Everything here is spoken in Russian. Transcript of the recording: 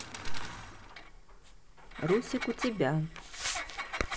русик у тебя